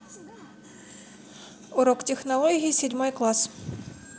урок технологии седьмой класс